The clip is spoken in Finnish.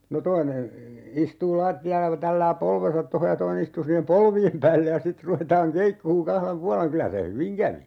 no toinen istuu lattialla kun tällää polvensa tuohon ja toinen istuu siihen polvien päälle ja sitten ruvetaan keikkumaan kahden puolen kyllä se hyvin kävi